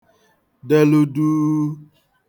delụ duu